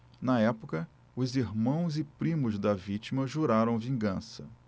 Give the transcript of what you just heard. na época os irmãos e primos da vítima juraram vingança